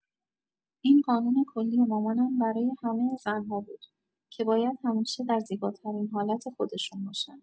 این قانون کلی مامانم برای همه زن‌ها بود که باید همیشه، در زیباترین حالت خودشون باشن!